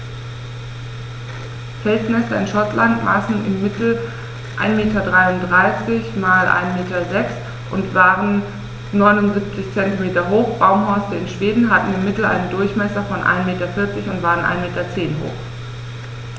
Felsnester in Schottland maßen im Mittel 1,33 m x 1,06 m und waren 0,79 m hoch, Baumhorste in Schweden hatten im Mittel einen Durchmesser von 1,4 m und waren 1,1 m hoch.